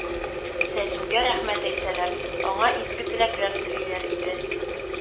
Сәлимгә рәхмәт әйтәләр, аңа изге теләкләр телиләр иде.